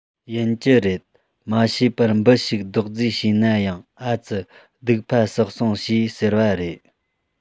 ཡིན གྱི རེད མ ཤེས པར འབུ ཞིག རྡོག རྫིས བྱས ན ཡང ཨ ཙི སྡིག པ བསགས སོང ཞེས ཟེར བ རེད